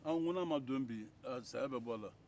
an ko n'an ma don bi saya bɛ b'a la